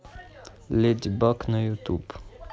леди баг на ютуб